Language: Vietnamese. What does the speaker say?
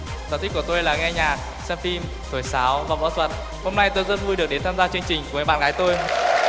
sở thích của tôi là nghe nhạc xem phim thổi sáo và võ thuật hôm nay tôi rất vui được đến tham gia chương trình với bạn gái tôi